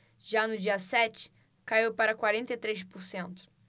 já no dia sete caiu para quarenta e três por cento